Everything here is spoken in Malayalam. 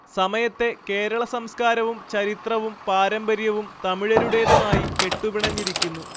സമയത്തെ കേരള സംസ്കാരവും ചരിത്രവും പാരമ്പര്യവും തമിഴരുടേതുമായി കെട്ടുപിണഞ്ഞിരിക്കുന്നു